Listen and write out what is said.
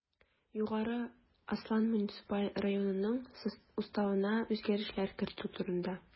Югары Ослан муниципаль районынның Уставына үзгәрешләр кертү турында